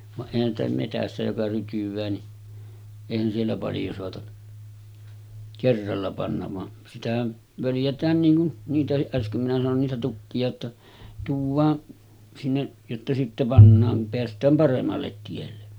vaan eihän sitä metsässä joka rytyää niin eihän siellä paljon saata kerralla panna vaan sitähän völjätään niin kuin niitäkin äsken minä sanoin niitä tukkia jotta tuodaan sinne jotta sitten pannaan kun päästään paremmalle tielle